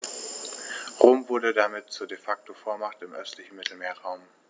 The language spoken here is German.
Rom wurde damit zur ‚De-Facto-Vormacht‘ im östlichen Mittelmeerraum.